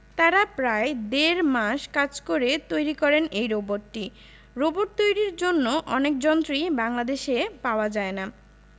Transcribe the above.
তারা প্রায় দেড় মাস কাজ করে তৈরি করেন এই রোবটটি রোবট তৈরির জন্য অনেক যন্ত্রই বাংলাদেশে পাওয়া যায় না